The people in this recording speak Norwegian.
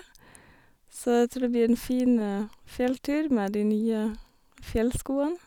Så jeg tror det blir en fin fjelltur med de nye fjellskoene.